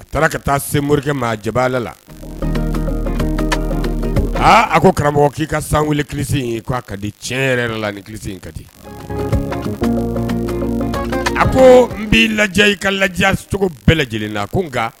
A taara ka taa se morikɛ maa ja la aa a ko karamɔgɔ k'i ka san weele ki in ye k'a ka di tiɲɛ yɛrɛ la ni ki in ka di a ko n b'i lajɛ i ka lajɛcogo bɛɛ lajɛlen na ko nka